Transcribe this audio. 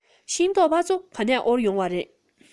ཤིང ཏོག ཕ ཚོ ག ནས དབོར ཡོང བ རེད